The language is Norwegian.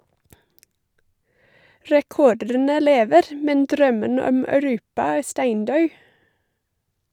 Rekordene lever, men drømmen om Europa er steindau.